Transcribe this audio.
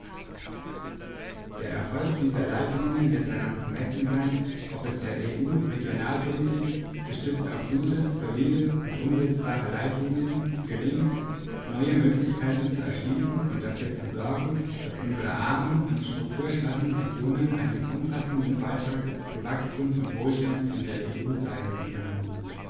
Der Erfolg dieser Leitlinien wird daran zu messen sein, ob es der EU-Regionalpolitik, gestützt auf gute, solide und umsetzbare Leitlinien, gelingt, neue Möglichkeiten zu erschließen und dafür zu sorgen, dass unsere armen und strukturschwachen Regionen einen umfassenden Beitrag zu Wachstum und Wohlstand in der EU leisten können.